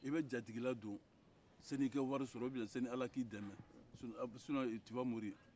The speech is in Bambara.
e bɛ jatigila don san'i ka wari sɔrɔ ubiɲɛ sani ala k'i dɛmɛ sinɔ ti va muriri